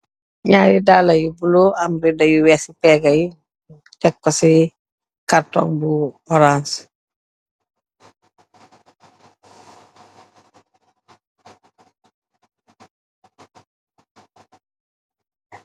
Ñaari dalla yu bula am redda yu wèèx ci pegga yi tèg ko ci kartun bu orans.